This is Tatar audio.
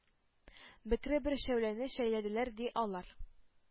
Бөкре бер шәүләне шәйләделәр, ди, алар.